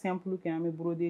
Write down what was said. Sanp kɛ an bɛ b bolo de ye